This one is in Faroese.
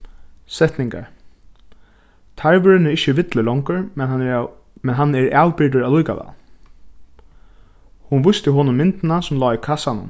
setningar tarvurin er ikki villur longur men hann er men hann er avbyrgdur allíkavæl hon vísti honum myndina sum lá í kassanum